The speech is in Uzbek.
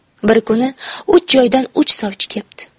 bir kuni uch joydan uch sovchi kepti